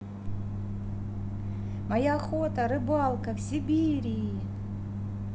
моя охота рыбалка в сибири